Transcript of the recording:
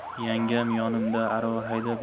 yangam yonimda arava haydab